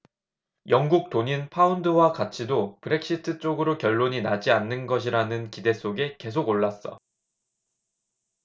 영국 돈인 파운드화 가치도 브렉시트 쪽으로 결론이 나지 않는 것이라는 기대 속에 계속 올랐어